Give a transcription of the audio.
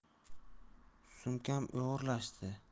sumkam o'g'irlashdi